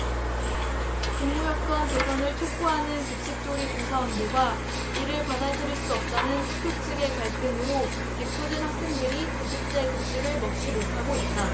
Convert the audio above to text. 근무여건 개선을 촉구하는 급식 조리 종사원들과 이를 받아들일 수 없다는 학교 측의 갈등으로 애꿎은 학생들이 두 주째 급식을 먹지 못하고 있다